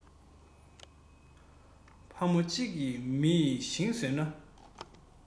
བ མོ གཅིག གིས མི ཡི ཞིང ཟོས ན